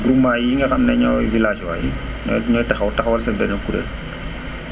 groupement yi nga xam ne ñooy villageois yi ñooy ñooy taxaw taxawal seen benn kuréel